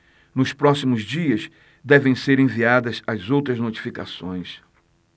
nos próximos dias devem ser enviadas as outras notificações